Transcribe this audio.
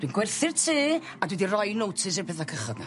Dwi'n gwerthu'r tŷ a dwi di roi notice i'r petha cychod na.